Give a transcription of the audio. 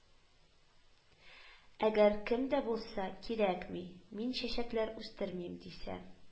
Әгәр кем дә булса, кирәкми, мин чәчәкләр үстермим, дисә,